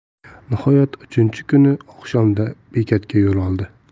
nihoyat uchinchi kuni oqshomda bekatga yo'l oldi